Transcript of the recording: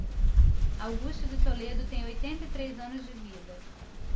augusto de toledo tem oitenta e três anos de vida